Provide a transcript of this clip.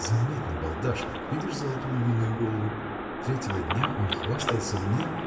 – Заметь набалдашник: видишь золотую львиную голову? Третьего дня он хвастался мне